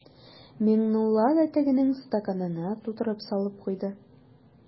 Миңнулла да тегенең стаканына тутырып салып куйды.